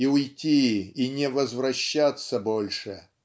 И уйти, и не возвращаться больше.